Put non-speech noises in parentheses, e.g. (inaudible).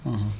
(hesitation) (hesitation)